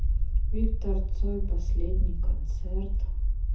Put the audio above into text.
виктор цой последний концерт